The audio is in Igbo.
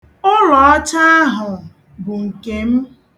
Ụlọ ọcha ahụ bụ nke m.